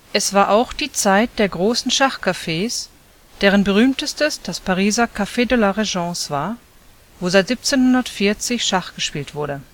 Es war auch die Zeit der großen Schachcafés, deren berühmtestes das Pariser Café de la Régence war, wo seit 1740 Schach gespielt wurde